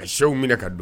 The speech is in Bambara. Ka sew minɛ ka don